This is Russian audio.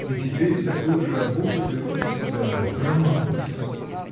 И теперь такую же обузу беру на себя: роман писать!!